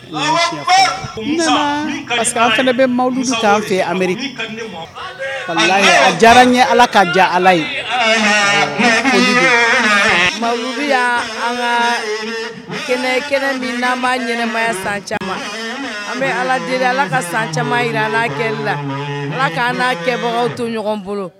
Ka san fana bɛ san fɛ anmeri ka diyara ɲɛ ala ka diya ala yeya an kɛnɛ kelen min n an ɲɛnɛmaya san caman an bɛ ala ala ka san caman jira kɛ la ala ka n' kɛbagaw to ɲɔgɔn bolo